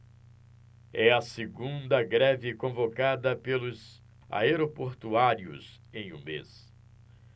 é a segunda greve convocada pelos aeroportuários em um mês